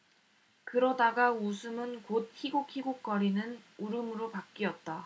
그러다가 웃음은 곧 히끅히끅 거리는 울음으로 바뀌었다